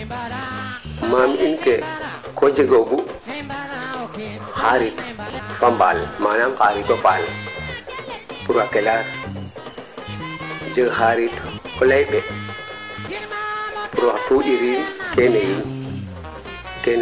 roog wasanamo ten Sene nda ina tolwa maa ando naye axa areer ke a jega waana soxla an lool yaam roog moƴu a jega waa ando naye xa ɓay den ndaawe a ciiñ den wiin we a mbung a xa axa areer jeg jegood kino